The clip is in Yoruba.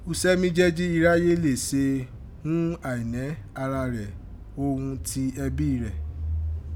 Usẹ́ mí jẹ́ jí iráyé lè se ghún àìnẹ́ ara rẹ̀ òghun ti ẹ̀bí rẹ̀.